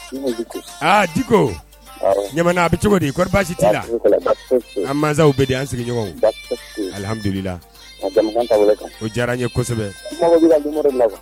Di ko ɲamana bɛ cogo tɛ la anw bɛ an sigiɲɔgɔnmdu o diyara n ye